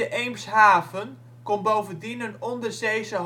Eemshaven komt bovendien een onderzeese